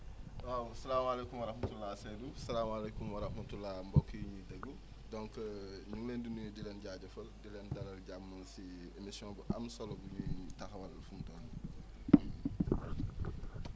waaw salaamaaleykum wa rahmatulah Seydou salaamaaleykum wa rahmatulah mbokk yi ñuy déglu donc ñu ngi leen di nuyu di leen jaajëfal di leen dalal jàmm si émission bu am solo bu ñuy taxawal fii tey